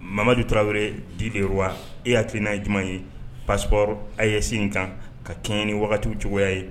Mamaju taraweleere di de wa e y'a tilen' ye ɲuman ye basp a ye sen in kan ka kɛ ni wagati cogoya ye